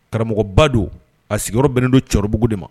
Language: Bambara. Karamɔgɔba don a sigiyɔrɔ bɛnnen don Cɔribugu de ma.